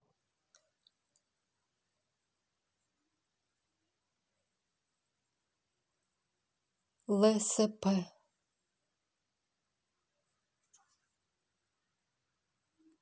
лсп